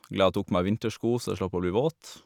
Glad jeg tok på meg vintersko så jeg slapp å bli våt.